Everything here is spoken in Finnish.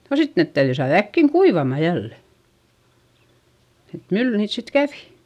no sitten ne täytyi saada äkkiä kuivamaan jälleen että mylly niitä sitten kävi